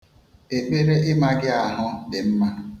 Ekpere ịma gị ahụ dị mma.